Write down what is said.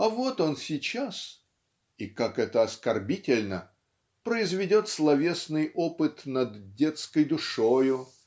а вот он сейчас (и как это оскорбительно!) произведет словесный опыт над детской душою